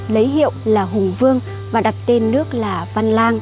lấy hiệu là hùng vương và đặt tên nước là văn lang